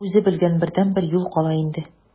Үзе белгән бердәнбер юл кала инде.